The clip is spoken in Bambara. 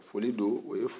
foli don